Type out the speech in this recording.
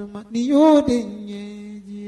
I y yo de ɲɛ